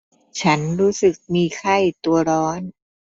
ฉันรู้สึกมีไข้ตัวร้อน